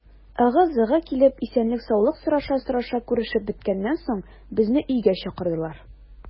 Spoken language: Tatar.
Ыгы-зыгы килеп, исәнлек-саулык сораша-сораша күрешеп беткәннән соң, безне өйгә чакырдылар.